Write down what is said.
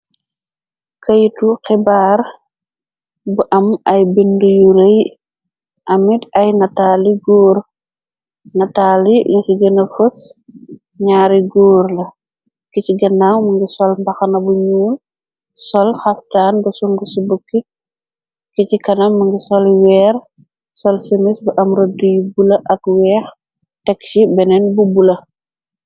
Kayiti xibxibarr bu am ay bindé yu rëy amit ay natali gór nataali ni ki gëna fos ñaari góor la ki ci genaaw mëngi sol mbaxna bu ñuul sol xaftaan bu sun'ngufi bukki ki ci kana mëngi sol wèèr sol simis bu am rëdd yu bula ak wèèx tegsi benen bu bula.